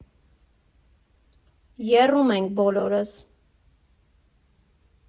Եռում ենք բոլորս։